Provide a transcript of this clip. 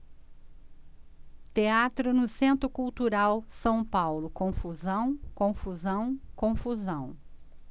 teatro no centro cultural são paulo confusão confusão confusão